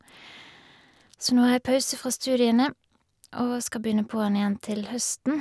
Så nå har jeg pause fra studiene, og skal begynne på den igjen til høsten.